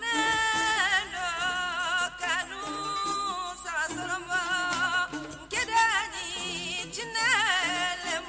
Tile ka sanba kelengɛnin diɲɛinɛ